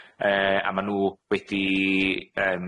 Yy, a ma' nw wedi yym